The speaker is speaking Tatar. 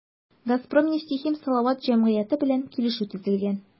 “газпром нефтехим салават” җәмгыяте белән килешү төзелгән.